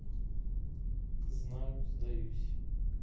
знаю сдаюсь